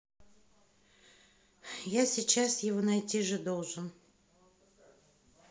я сейчас его найти же должен